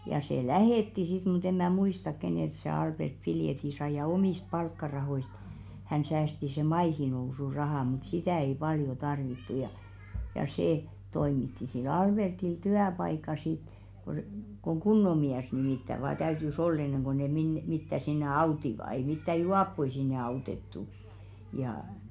ja se lähetti sitten mutta en minä muistan keneltä se Albert piletin sai ja omista palkkarahoista hän säästi sen maihinnousurahan mutta sitä ei paljon tarvittu ja ja se toimitti sille Albertille työpaikan sitten kun kun kunnon mies nimittäin vain täytyi olla ennen kuin ne - mitään sinne auttoivat ei mitään juoppoja sinne autettu ja